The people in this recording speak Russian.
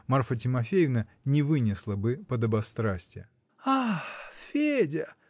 Марфа Тимофеевна не вынесла бы подобострастья. -- А! Федя!